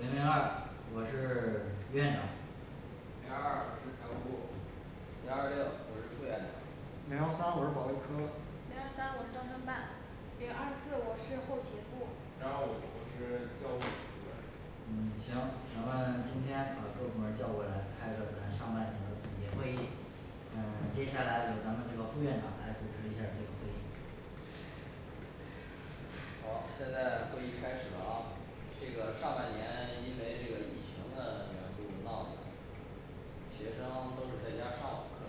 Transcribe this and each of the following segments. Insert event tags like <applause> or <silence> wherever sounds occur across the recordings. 零零二我是院长零二二我是财务部零二六我是副院长零幺三我是保卫科零二三我是招生办零二四我是后勤部零二五我是教务主任嗯行，咱们今天把各部门儿叫过来，开个咱上半年的总结会议嗯 <silence> 接下来由咱们这个副院长来主持一下这个会议好，现在会议开始了啊，这个上半年因为这个疫情的缘故闹的学生都是在家上网课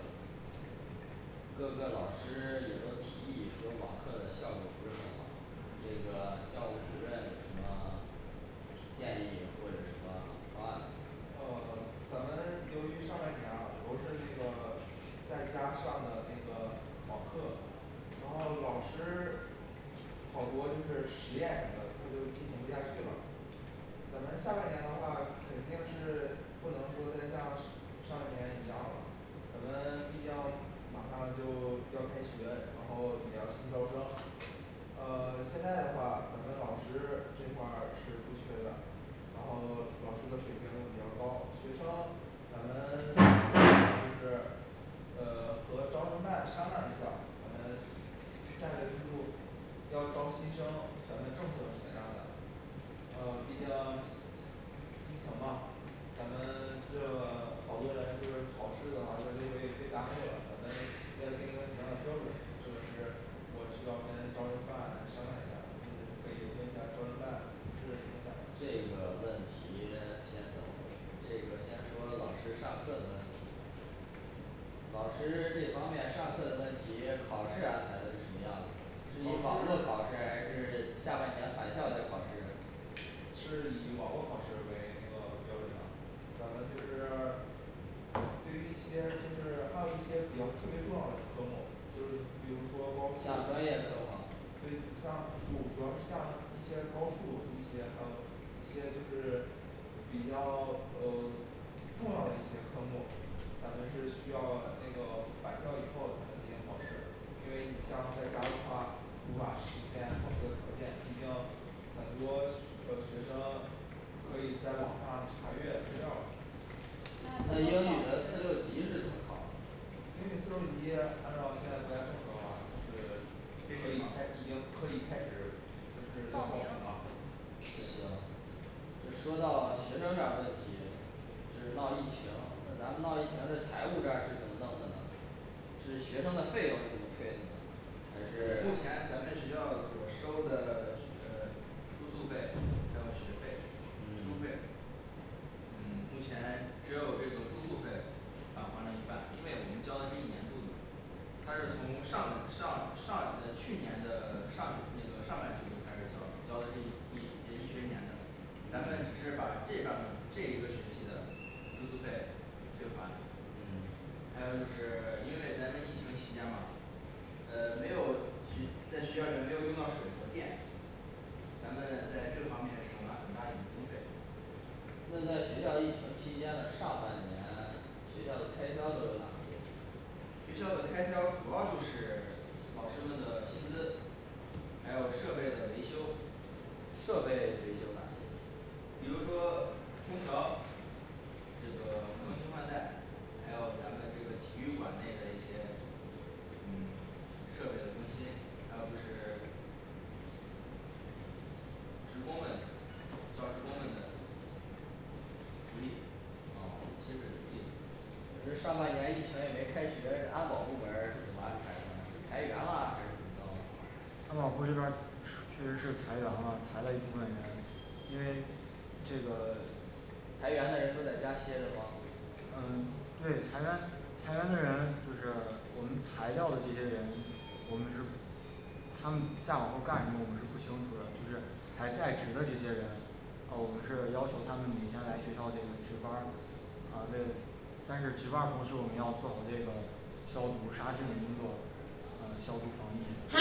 各个老师也都提议说网课的效果不是很好这个教务主任有什么建议或者什么方案啊没有 <silence> 咱们由于上半年啊都是那个在家上的那个网课然后老师好多就是实验什么的他就进行不下去了咱们下半年的话肯定是不能说再像是 <unintelligible> 上半年一样了，咱们毕竟马上就要开学，然后也要新招生呃 <silence> 现在的话咱们老师这块儿是不缺的然后老师的水平都比较高，学生咱们打算的话就是呃和招生办商量一下咱们下个季度要招新生，咱们政策是怎么样啊呃毕竟疫情吗咱们这好多人就是考试的话它就会被耽误了咱们要定一个什么样的标准这个是我需要跟招生办商量一下。就可以问一下招生办是怎么想这的个问题先等会儿这个先说老师上课的问题老师这方面上课的问题，考试安排的是什么样子是以网络考试还是下半年返校的考试是以网络考试为那个标准的咱们就是对于一些就是还有一些比较特别重要的科目就是你比如说高数像专业课吗对你像不主要像一些高数一些还有一些就是比较呃 <silence> 重要的一些科目咱们是需要那个返校以后才能进行考试因为你像在家的话无法实现考试的条件毕竟很多学呃学生可以在网上查阅资料儿那那英怎么语的保四六持级是怎么考啊英语四六级按照现在国家政策的话它是这个可以开已经可以开始就是要报报名名啦那行这说到学生那儿问题这是闹疫情，那咱们闹疫情这财务这儿是怎么弄的呢这是学生的费用是怎么退的呢还目前是咱们学校所收的呃 <silence> 住宿费，还有学费书费嗯目前只有这个住宿费返还了一半，因为我们交了是一年度吗他是从上上上的去年的上学那个上半季度开始交了交的是一一一学年的咱们只是把这半这一个学期的住宿费退款嗯还有就是因为咱们疫情期间嘛呃没有学在学校里面没有用到水电咱们在这方面省了很大一笔经费那在学校疫情期间的上半年，学校的开销都有哪些学校的开销主要就是老师们的薪资还有设备的维修设备维修哪些比如说空调这个更新换代还有咱们这个体育馆内的一些嗯设备的更新还有就是职工们教职工们的福利薪水哦福利那这上半年疫情也没开学，这安保部门儿是怎么安排的？是裁员了还是怎么着了安保部这边儿确实是裁员了，裁了一部分人因为这个裁员的人都在家歇着吗嗯对，裁员裁员的人就是我们裁掉的这些人，我们是他们再往后干什么我们是不清楚的，就是还在职的这些人哦我们是要求他们每天来学校这个值班儿啊这个得但是值班儿同时我们要做好这个消毒杀菌的工作嗯消毒防疫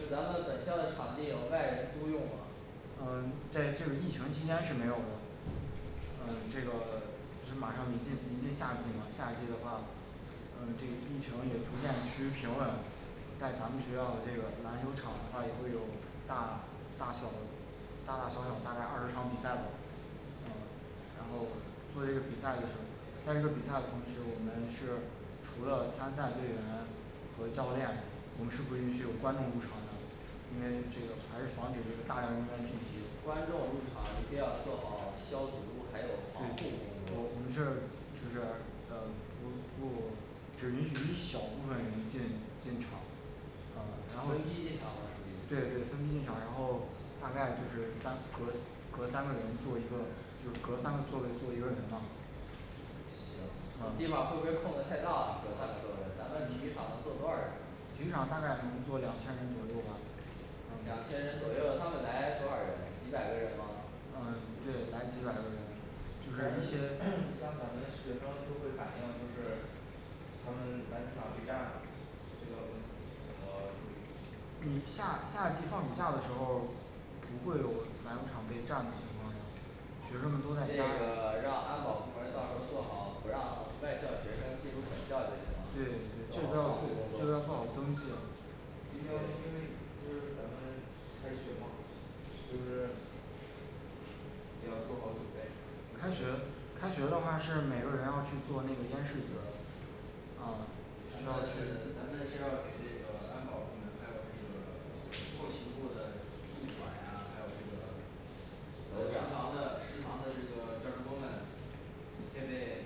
那咱们本校的场地有外人租用吗呃在这个疫情期间是没有呃这个马上临近临近夏季嘛，夏季的话呃这个疫情也逐渐趋于平稳，在咱们学校这个篮球场的话也会有大大小大大小小大概二十场比赛吧呃然后做一个比赛就是在这个比赛的同时我们是除了参赛队员和教练，我们是不允许有观众入场的因为这个还是防止这个大量人员聚集对观对对众我入场一定要做好消毒，还有防护工们是作，就是呃不不只允许一小部分人进进场呃然后分批进场吗属对对分批于进场，然后大概就是三隔隔三个人坐一个，就隔三个座位坐一个人吧行你地方会不会空的太大了隔三个座位咱们体育场能坐多少人体育场大概能坐两千人左右吧两千嗯人左右，他们来多少人？ 几百个人吗嗯对来几百个人就而是一些且你像咱们学生就会反映就是他们篮球场被占了这个问题怎么处理你夏夏季放暑假的时候不会有咱场被占的情况呀学生们这都在家里对对对个这这边让安保部儿门到时候做好，不让外校学生进入本校就行了做好就要做防好护工作登记啊毕竟因对为就是咱们开学吗就是也要做好准备就是开学开学的话是每个人要去做那个咽拭子的啊咱们咱们是要给这个安保部门还有后勤部的宿管呀还有这个&楼长&食堂的食堂的这个教职工们配备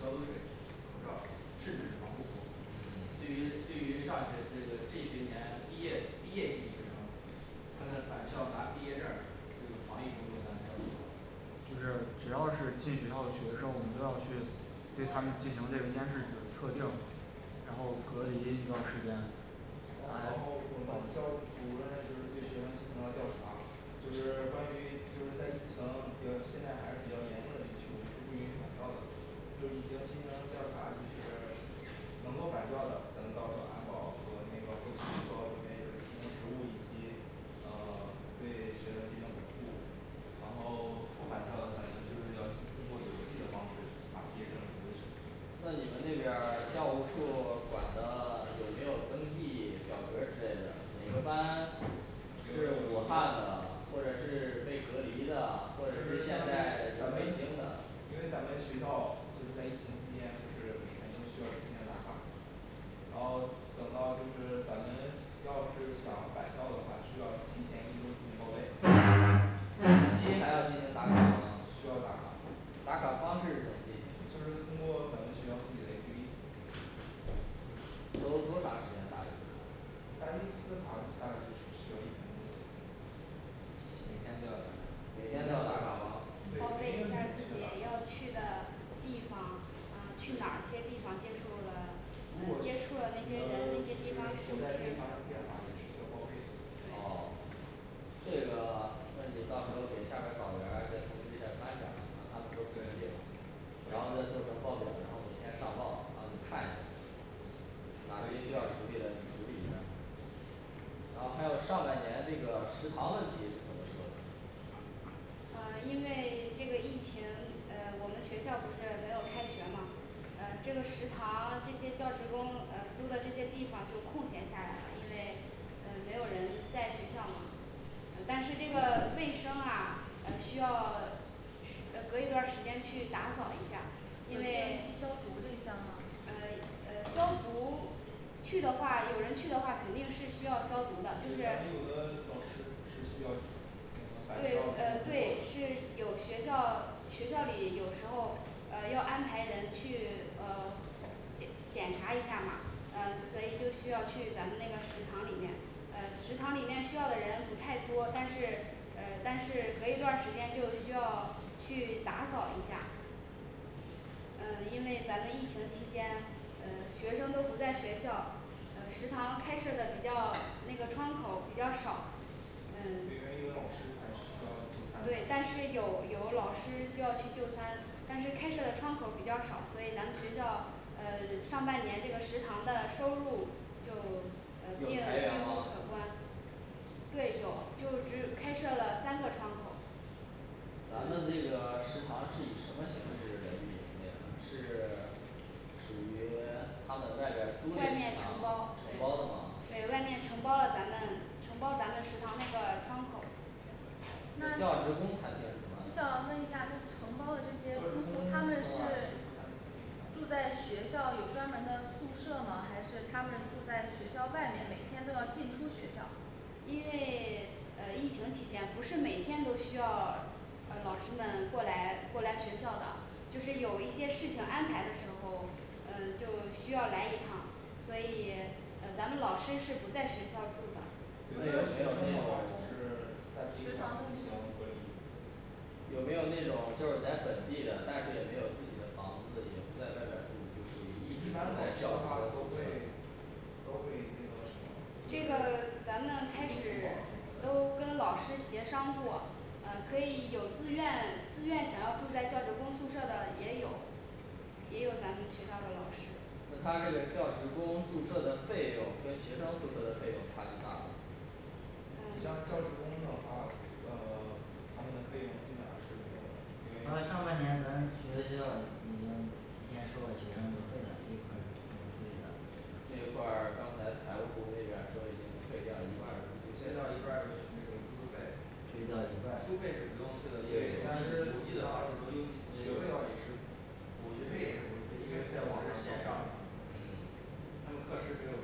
消毒水口罩儿甚至是防护服对嗯于对于上学这个这学年毕业毕业季学生他们返校拿毕业证儿这个防御工作咱们要做好就是只要是进学校的学生我们都要去对他们进行这个咽拭子的测定然后隔离一段儿时间，然后我们教务处主任就是对学校进行了调查，就是关于就是在疫情现在还是比较严重的地区是不允许返校的。就已经进行了调查就是能够返校的咱们到时候安保和那个后勤做好准备就是提供食物以及嗯对学生进行保护然后不返校的咱们就是要通过邮寄的方式把毕业证邮寄回去那你们那边儿教务处管的有没有登记表格儿之类的？每个班是武汉的或者是被隔离的，或者就是是现现在在在咱们北京的因为咱们学校就是在疫情期间就是每天都需要进行打卡然后等到就是咱们要是想返校的话，需要提前一周进行报备。暑期还要进行打卡嘛需要打卡打卡的方式是怎么进就是行通的呀过咱们学校自己的一个A P P 你都多长时间打一次卡打一次卡大概就只需要一分钟左右每天都要行打卡每天都要打卡吗报备一下对儿自己要去的地方儿去哪儿些地方接触了如呃果去接就是触所了在哪些人哪些地地方方发是生不是对变化也是需要报备的噢这个 <silence> 那你到时候给下边儿导员儿再通知一下班长，让他们做统计吧然后再做成报表，然后每天上报，然后你看一下哪些需要处理的你处理一下儿然后还有上半年这个食堂问题是怎么说的呃因为这个疫情呃我们学校不是没有开学嘛呃这个食堂这些教职工呃租的这些地方就空闲下来了因为呃没有人在学校嘛但是这个卫生啊呃需要时呃隔一段儿时间去打扫一下儿因为改进消毒这一项吗呃呃消毒去的话有人去的话肯定是需要消毒的咱，们就是有的老师是需要那个返校对呃消对毒是有学校学校里有时候呃要安排人去呃检检查一下儿嘛呃所以就需要去咱们那个食堂里面呃食堂里面需要的人不太多，但是呃但是隔一段儿时间就需要去打扫一下嗯因为咱们疫情期间呃学生都不在学校，呃食堂开设的比较那个窗口儿比较少里嗯面有些老师还是需要就餐对但的是有有老师需要去就餐但是开设的窗口儿比较少所以咱们学校呃上半年这个食堂的收入就呃有变得裁员并不吗可观对，有就只开设了三个窗口咱们这嗯个食堂是以什么形式来运营的呀是 <silence> 属于 <silence> 他们外边儿租赁外的面食承堂包承包的吗对对外面承包了咱们承包咱们食堂那个窗口儿。这教职工餐厅是怎我么安想问一排下那承包的这教职工的话是和些租户，他他们们是住在学校里专门的宿舍吗？还是他们住在学校外面每天都要进出学校因为 <silence> 呃疫情期间不是每天都需要 <silence> 呃老师们过来过来学校的，就是有一些事情安排的时候嗯就需要来一趟所以呃咱们老师是不在学校住的对会那有学没生的有话那就种是在食宾堂馆的那进些行隔离有没有那种就是在本地的，但是也没有自己的房子，也不在外边儿住，就属于一直住在教职工宿舍的都会那个什么这个就是咱们开始都跟老师协商过，呃可以有自愿自愿想要住在教职工宿舍的，也有也有咱们学校的老师那他这个教职工宿舍的费用跟学生宿舍的费用差距大吗你像嗯教职工 <silence> 的话呃他们的费用基本上是没有那上的因为半年咱们学校已经提前收了学生这个费了这一块儿怎么处理的这这一一块儿块儿刚才财务部儿这边儿说已经退掉一半儿的住退掉一半的学那个住宿宿费了费退掉一半书费儿是不用退的因为咱是邮寄的话学费的话也是补学费也是不用退因为采取的是线上上课嗯他们课时没有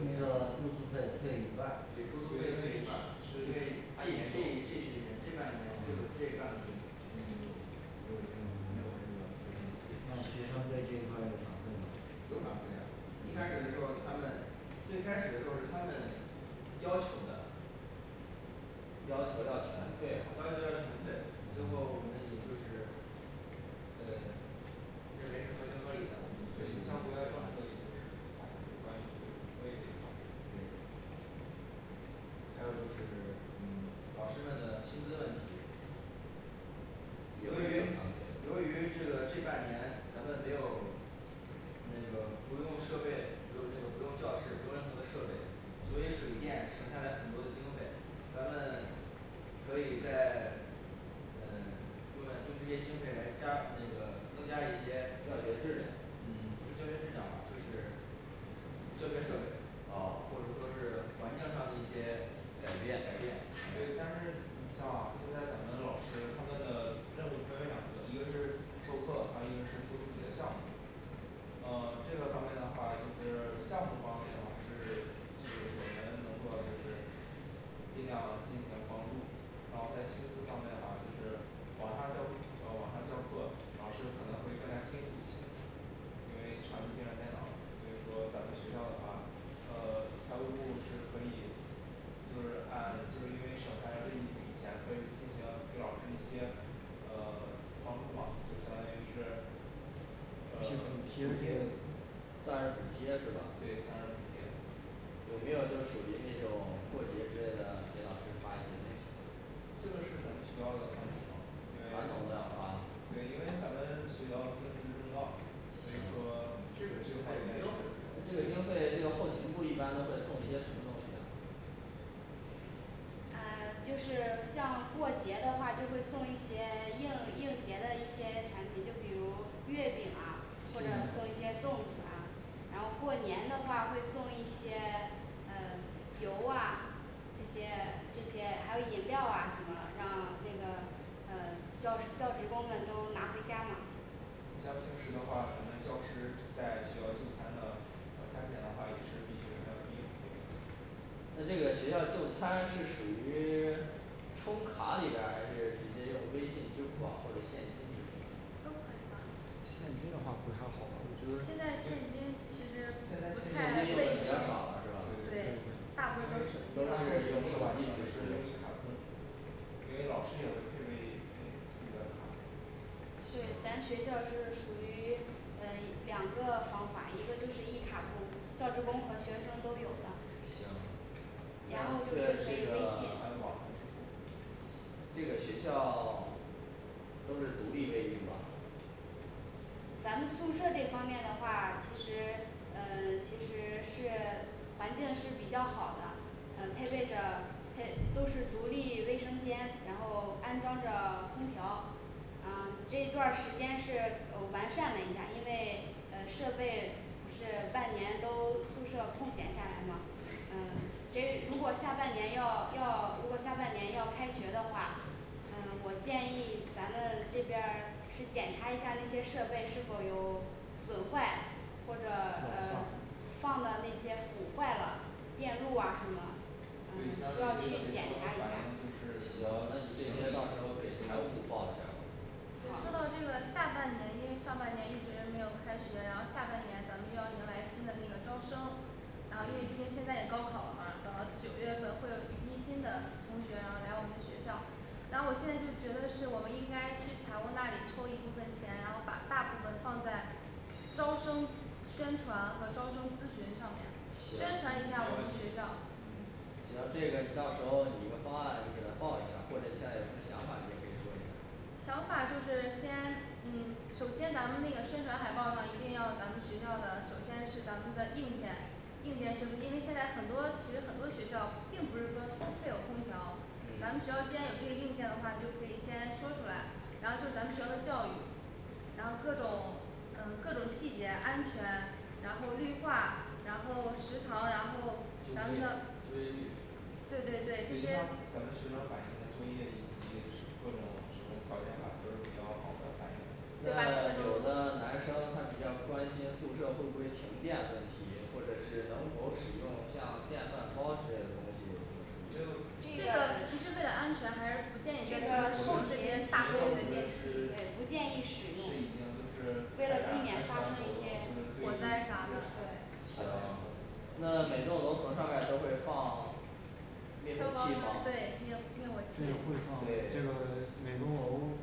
那有个少对住住宿宿费费退退一一半半儿儿因为这这这学年这半年这个这半个学学年没有没有没有那那个学学生生对来住这块儿有有反反馈馈啊吗一开始的时候儿他们最开始的时候是他们要求的要求要全要求退好像要是全嗯退最后我们也就是呃 <silence> 认为是合情对相合关理政的策也我都们是就所关于以我们退费这就块退换儿嗯对还有就是老师们的薪资问题由也会于正常给的由于这个这半年咱们没有那个不用设备不用那个不用教室不用任何的设备所以水电省下来了很多的经费咱们可以在嗯用来用这些经费来加那个增加一些教嗯学质量教学质量吧就是教学设备噢或者说是环境上的一些改改变变对但是像现在咱们的老师他们的任务分为两个，一个是授课，还有一个是做自己的项目呃这个方面的话就是项目儿方面的话是就是我们能做的就是接下来进行房租啊然后在薪资方面的话就是网上进行网上教课老师可能会更加辛苦一些因为长期盯着电脑所以说咱们学校的话呃财务部是可以就是按就因为省下来的这一笔钱可以进行对老师的一些呃帮助吧就相当于是呃对是补贴之类的算算是是补补贴贴是吧有没有就属于那种过节之类的给老师发一些东西这个是咱们学校传传统统都的要发，对，因为咱们需要通知公告嘛，所以说这这个个经平费台没也有是这个经很多费这个后勤部儿一般都会送一些什么东西呀啊就是像过节的话就是送一些应应节的一些产品，就比如月饼啊或者送一行些粽子啊，然后过年的话会送一些呃油啊这些这些还有饮料啊什么让那个呃教教职工们都拿回家嘛像平时的话，咱们教师是在学校就餐的，价钱的话也是比学生要低很多的那这个学校就餐是属于 <silence> 充卡里边儿还是直接用微信支付宝或者现金支付啊？现金的话不太好吧，我觉得现现在在现现金金其对对实对现金不太用都的卫比较生少了是对大吧？部分都是手都机吧是是用手机支用一付卡通因为老师也会配备自己的卡对，咱学校是属于呃两个方法，一个就是一卡通教职工和学生都有的行然后就是可以微信这个学校 <silence> 都是独立卫浴吧咱们宿舍这方面的话其实呃其实是环境是比较好的呃配备着配都是独立卫生间，然后安装着空调嗯这一段儿时间是完善了一下，因为呃设备不是半年都宿舍空闲下来嘛呃这与如果下半年要要如果下半年要开学的话，嗯我建议咱们这边儿是检查一下那些设备是否有损坏，或者呃放的那些腐坏了，电路啊什么，嗯现行需在要去就检有查一学生反下。映就那你是这些到时候给财务部报一下儿吧也说到这好个下半年，因为上半年一直没有开学，然后下半年咱们要迎来新的那个招生然后因为毕竟现在也高考了嘛，等到九月份会有一批新的同学然后来我们的学校然后我现在就觉得是我们应该去财务那里抽一部分钱，然后把大部分放在招生宣传和招生咨询上面嗯没宣传行一有下我问们学题校嗯嗯行这个你到时候拟一个方案你给他报一下儿，或者你现在有什么想法你也可以说一下想法就是先嗯首先咱们那个宣传海报上一定要咱们学校的首先是咱们的硬件硬件设施，因为现在很多其实很多学校并不是说都配有空调，咱嗯们学校既然有这个硬件的话，就可以先说出来，然后就是咱们学校的教育然后各种嗯各种细节安全然后绿化然后食堂，然后就业咱们的就业率对你想对对这些咱们学生反映的就业以及各种什么条件的话都是比较好的反映那有的男生他比较关心宿舍会不会停电问题，或者是能否使用像电饭煲之类的东西这怎么就处理呢这个其个实为了安全还是不建议大这个家去使用后这勤其些大功率的实电器对不建议使用是已经就为是了避免发生一些什火灾啥的对行么那每栋楼层上边儿都会放灭火器消防栓对灭火吗灭火器对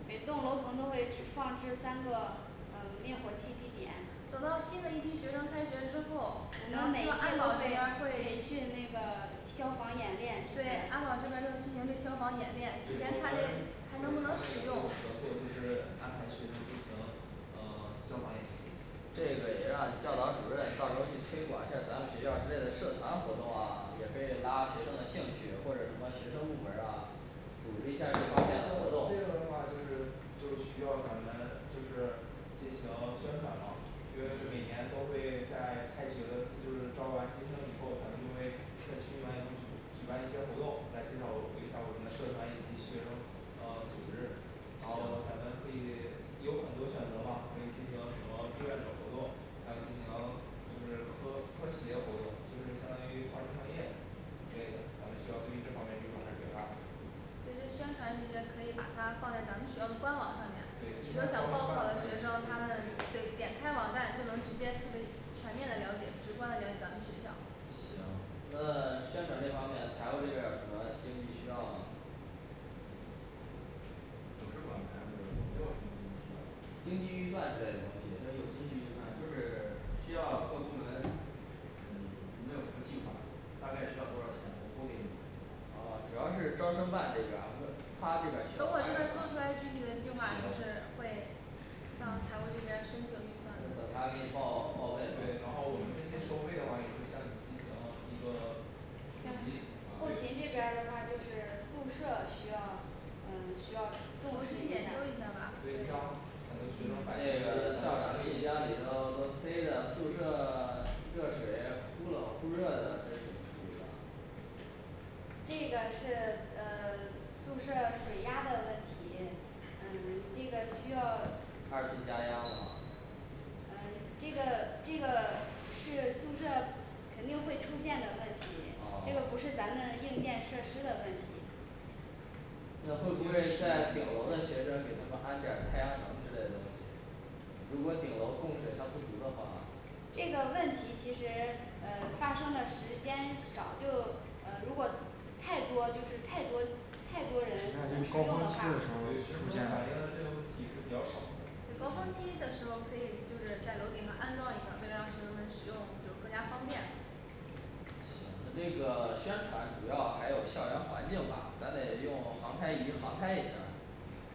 每栋楼层都会放置三个呃灭火器地点我等们到每新的一批一学届都生开学之后我们会和安保这边儿会会培训那个消防演练对安保这边儿要进行消防演对我们和他们也会有合作就练这提些前看看还能不能使用是安排学生进行呃消防演习这个也让教导主任到时候儿去推广一下儿咱们学校之类的社团活动啊，也可以拉学生的兴趣或者什么学生部门儿啊组织一下这这个方面的活动这个的话就是就需要咱们就是进行宣传好。因为每年都嗯会在开学的就是招完新生以后，咱们就会持续举办，举办一些活动，来介绍我们介绍我们社团以及学生啊组织然后行咱们可以有很多选择嘛可以进行什么志愿者活动还有进行就是科科协活动就是相当于创新创业之类的咱们学校对于这方面力度还是比较大的这些宣传这些可以把它放在咱们学校的官网上面，比对你如看招生想办的报考话的也学生，他们是可可以以点开网站，就能直接全全面的了解，直观的了解咱们学校行那宣传这方面财务这边儿有什么经济需要吗我是管财务的我没有什么经济需要经济预算之类的东这西边有经济预算就是需要各部门嗯有没有什么计划，大概需要多少钱我拨给你们哦主要是招生办这边儿问他这边需要等我会大这边儿概多做少出来，具体的计划就是行会向财务这边儿申请预算等他给你报报备对然后我们这好些收嗯，费的话也可以向的你进行一个统计像啊后勤这对边的话就是宿舍需要嗯需要重重视新一下检修一下吧对你像很多嗯学生反这映咱个们宿校长信舍箱里头都塞的宿舍 <silence> 热水忽冷忽热的这是怎么处理的这个是呃宿舍水压的问题，嗯这个需要二次加压吗嗯这个这个是宿舍肯定会出现的问题，这个不哦是咱们硬件设施的问题那会不会在顶楼的学生给他们安点儿太阳能之类的东西如果顶楼供水它不足的话这个问题其实呃发生的时间少，就呃如果太多就是太多太多人嗯使同用高时峰用的期学话的生时反候映这出现个问题其实就比较少的高峰期的时候可以自 <unintelligible> 在楼顶上安装一个为了让同学们使用就是更加方便行那这个宣传主要还有校园环境嘛，咱得用航拍仪航拍一下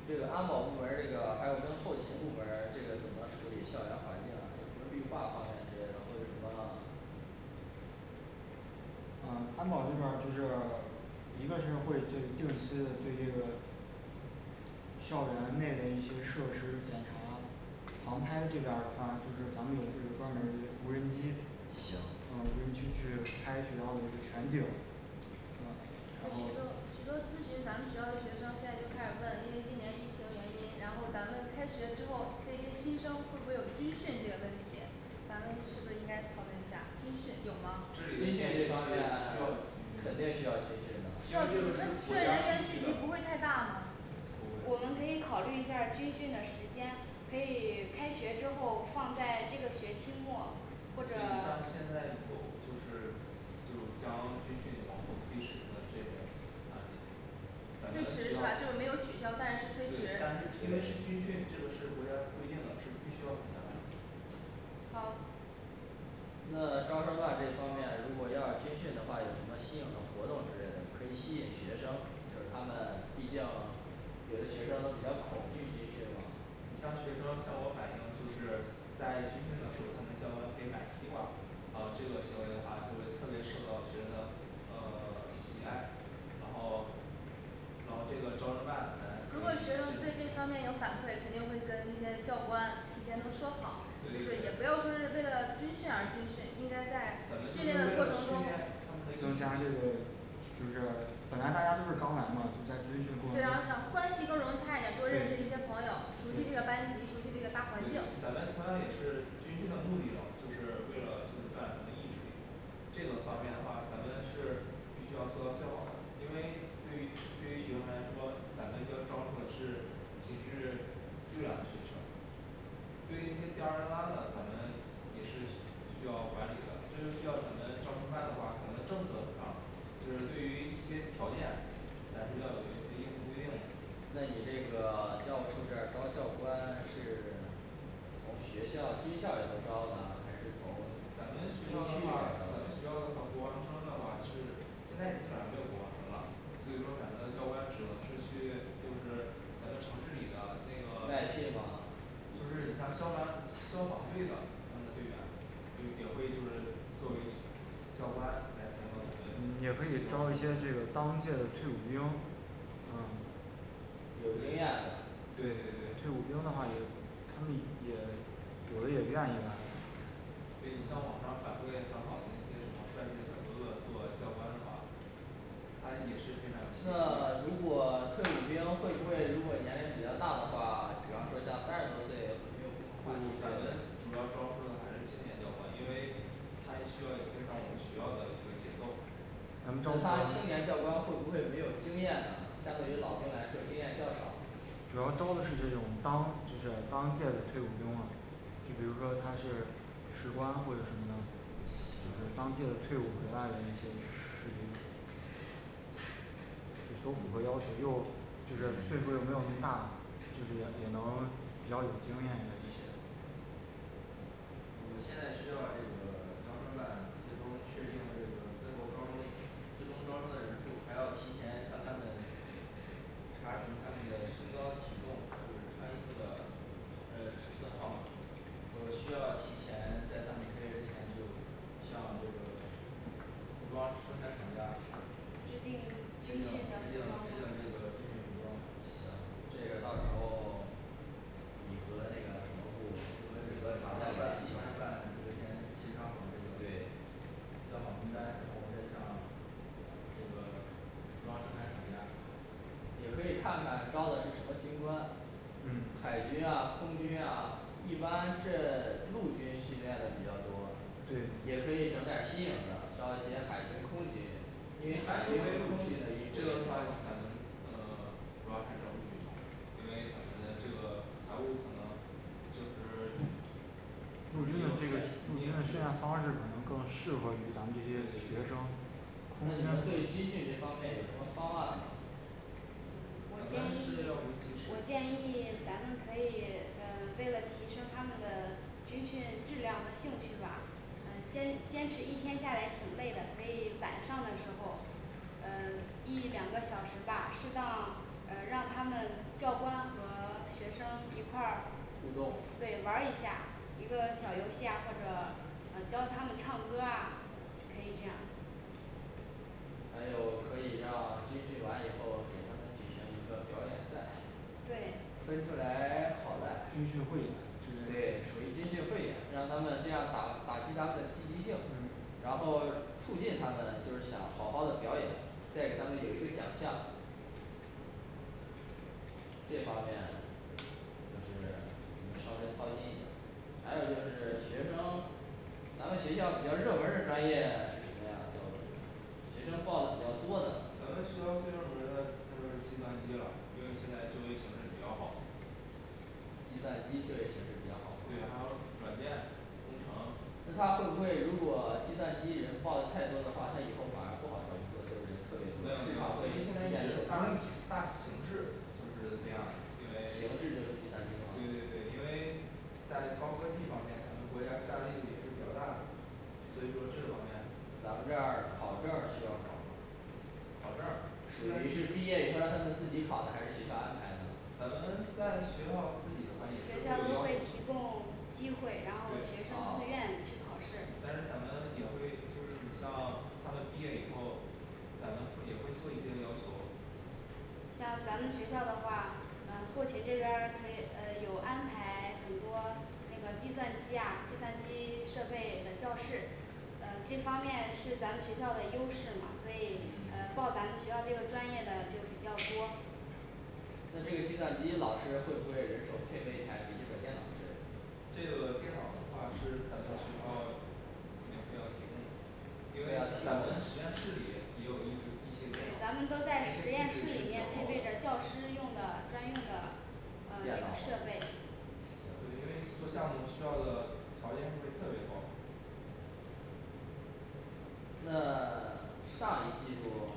这个安保部门儿这个还有跟后勤部门儿这个怎么处理校园环境啊有什么绿化方面之类的或者什么啊安保这边儿就是一个是会对定期的对这个校园内的一些设施检查航拍这边儿的话，就是咱们有这个专门儿无人机行呃无人机去拍学校的这个的全景嗯然许多后许多咨询咱们学校的学生现在就开始问，因为今年疫情原因，然后咱们开学之后，这些新生会不会有军训这个问题咱们是不是应该讨论一下军训有这里的军训是需要军训的因为这个是国吗这人军员训这方面肯定需要军训家聚必须集不会的太大吗我们可以考虑一下儿军训的时间，可以开学之后放在这个学期末或诶者你像现 <silence> 在有就是就将军训往后推迟的这种案例咱推们迟学校是吧就没有取消对，但但是是推军迟训军对训这个是国家规定的必须要参加的好那招生办这方面如果要军训的话，有什么吸引的活动之类的可以吸引学生，就是他们毕竟有的学生都比较恐惧军训嘛像学生向我反映，就是在军训的时候他们教官给买了西瓜啊这个行为的话是会特别受到学生呃 <silence> 喜爱然后然后这个招生办咱如果可以学宣生对这方传面有一下反馈，肯定会跟那些教官提前都说好，对对对也不要对说是为了军训而军训，应该在训练的过程中增加这个就是本来大家都是刚来嘛就在军训过程中对对对对呀让关系更融洽一点，多认识一些朋友，熟悉这个班级，对对咱熟悉这个大环境们同样也是军训的目的嘛就是为了就是锻炼他的意识力这个方面的行话，咱们是必须要做到最好的，因为对于对于学生来说，咱们要招收的是品质优良的学生对于那些吊儿郎当的，咱们也是需要管理的，这就需要咱们招生办的话，咱们政策上就是对于一些条件，咱是要要有一个硬性规定那你这个 <silence> 教务处这儿招教官是 <silence> 从学校军校儿里头招呢还是从咱们军区学校的里面招话呢咱们学校的话国防生的话其实现在基本没有国防生了所以说咱们的教官只能是去就是咱们城市里的那个外聘吗就是你像消防消防队的他们的队员也会就是作为教官来参与到也可咱以们招一些这这个个当届的退伍兵嗯有经验的。对对退伍对兵的话也他们也有的也愿意来对你像网上反馈很好的那些什么帅气的小哥哥做教官的话他也是非常有气质那不不如咱果们退主伍兵会不会如果年龄比较大的话，比方说像三十多岁会没有共同话题之类的要招收的还是青年教官因为他需要跟上我们学校的一个节奏咱那们招他青年教官会不会没有经验呢，相对于老兵来说经验较少主要招的是这种当就是当届的退伍兵嘛就比如说他是士官或者什么就是当届行的退伍回来的一些士兵就是都符合要求，又嗯就是岁数儿又没有嗯那么大，就是也能比较有经验的一些我现在需要这个 <silence> 招生办最终确定了这个最后招生，最终招生的人数儿还要提前向他们查询他们的身高体重就是穿衣服的嗯尺寸号码儿我需要提前在他们开学之前就向这个服装生产厂家制制定定制军定训的这服装吗个军行训的服装这个到时候你和那个什么部和儿这个招和生办厂家联招系生一办下这个先协商好这个对要好名单然后我再向这个服装生产厂家也可以看看招的是什么军官嗯海军呀空军啊一般这陆军训练的比较多对也可以对整点儿新颖的招一些海军空军，因因为为海海军军和和空空军军的的衣衣服服这也也比个的比较较好好话看看咱呃主要还是陆军吧因为咱们的这个财务可能就是陆军的这个训练陆军的训练方式可能更适合于咱们这些学生。那你们对军训这方面有什么方案吗嗯我咱建们议是要不我建议咱们可以呃为了提升他们的军训质量和兴趣吧，呃坚持坚持一天下来挺累的，可以晚上的时候呃 <silence> 一两个小时吧适当呃让他们教官和学生一块儿互动对玩一下儿一个小游戏呀或者教他们唱歌啊可以这样儿还有可以让军训完以后给他们举行一个表演赛对分出来好赖军训汇演之类对属于的军训汇演的让他们这样打打击他们的积极性，然后促进他们就是想好好儿的表演，再给他们有一个奖项这方面就是你们稍微操心一点还有就是学生咱们学校比较热门儿的专业是什么呀教务主任学生报的比较多的咱们学校最热门儿的就是说就是计算机了，因为现在就业形势比较好计算机就业形势比较对啊好还有吗软件空乘那它啊会不不会会因如为果计现算在已机人报的太多的话，他以后反而不好找工作，就是人特别多，市场会出现经这种是大拥挤，大形势就是这样的因为形对势对就是计算机吗对因为在高科技方面，他们国家下的力度也是比较大的所以说这方那咱们这面儿考证儿需要考吗考证儿属于是毕业以后让他们自己考，还是学校安排呢咱们在学校自己的话也可以对学但校都会提供机会，然后学生自愿去噢考试是咱们也会就是你像他们毕业以后咱们会也会做一些要求像咱们学校的话，呃后勤这边儿可以有安排很多那个计算机呀计算机设备的教室呃这方面是咱们学校的优势嘛，所以呃嗯报咱们学校这个专业的就是比较多。那这个计算机老师会不会人手配备一台笔记本电脑之类的这个电脑儿的话是咱们学校免费要提供的因需为要咱们提实验供室里的也有一一些电对咱们脑都在实验室里面配备着教师用的专用的呃那电脑吗个设备因为这行个项目儿需要的条件会特别高那 <silence> 上一季度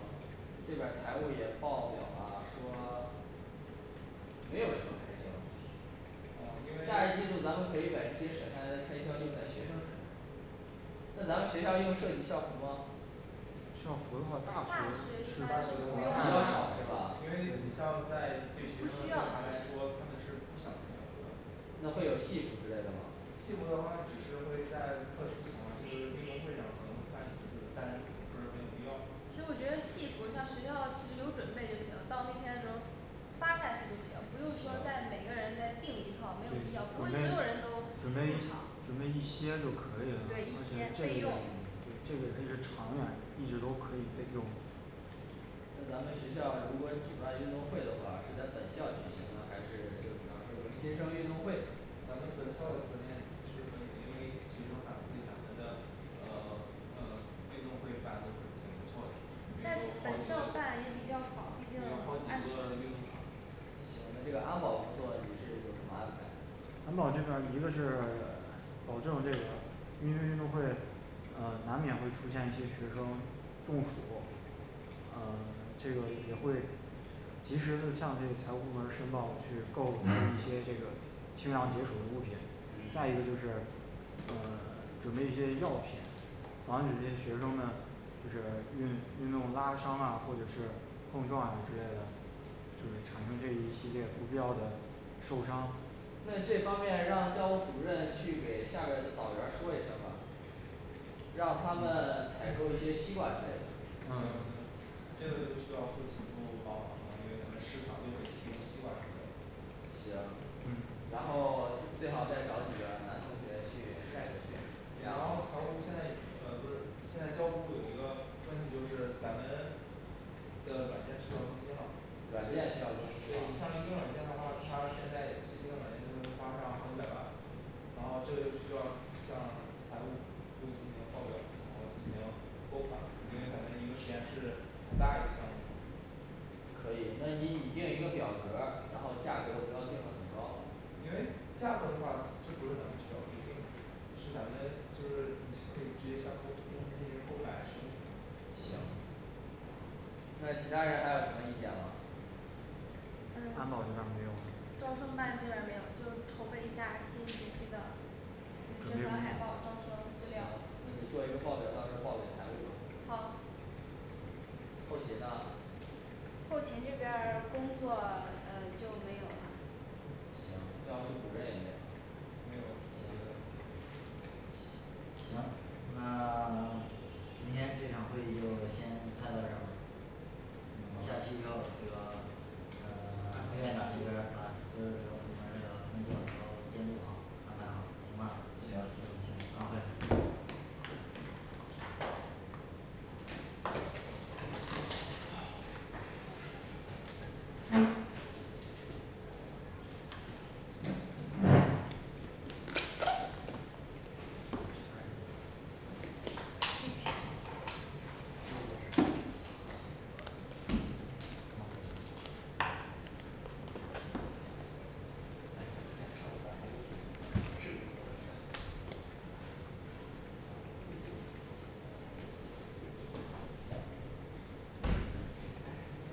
这边儿财务也报表了啊，说没有什么开销下因一季为度咱们可以把这些省下来的开销用在学生身上那咱们学校用设计校服儿吗校服的话在大大学学比一大学般是不较用少是的了吧话吧因为你像在对学校来说就学生是不想那会有系服之类的吗？系服的话只是会在特殊情况就是运动会上可能会穿一些但是不是很有必其实要我觉得系服，像学校其实有准备就行，到那天的时候发下去就行，不用说再每个人再定一套，没有必要不会所有人都准准备备一准备场，准备一些就可以了而对一些且这个备也对用这个是长远的一直都可以在用那咱们学校如果举办运动会的话，是在本校举行啊，还是就比方说迎新生运动会咱们本校的条件是可以的因为学生反馈咱们的呃呃运动会办的是挺不错有在好几本校个对办也比较有好好毕几竟安个运动全场行那这个安保工作你是有什么安排啊安保这边儿一个是保证这个因为运动会呃难免会出现一些学生中暑呃这个也会及时的向那个财务部门儿申报，去购买一些这个清凉解暑的物品。再一个就是嗯呃 <silence> 准备一些药品防止这些学生们就是运运动拉伤啊或者是碰撞啊之类的就是产生这一系列不必要的受伤那这方面让教务主任去给下边儿的导员儿说一声吧让他们采购一些西瓜之类行的行这个就需要后勤部帮忙了吧因为他们这个食堂就是提供西瓜什么的行，嗯然后 <silence> 最好再找几个男同学去带过去然后财务这样现在已经的不是现在教务处有一个问题就是咱们的软件需要更新了对软件需要更新像吗嗯一个软件的话它现在最新的软件就会花上好几百万然后这就需要向财务部进行报表然后进行拨款因为咱们一个实验室很大一个项目可以那你拟定一个表格儿，然后价格儿不要定得很高因为价格的话就不是咱们学校可以定的是咱们就是可以直接向公公司进行购买使用权？行那其他人还有什么意见吗安保这边儿没招有生办这边儿没有就是筹备一下新学期的嗯宣传海报招行生资料那你做一个儿报表儿到时候报给财务吧好后勤呢后勤这边儿工作呃就没有了行教务处主任有没有啊没有教务处行那 <silence> 今天这场会议就先开到这儿嗯下去以后，这个嗯副院长这边儿把所有这个部门儿这个工作都监督好安排好，行吧？嗯行。行散会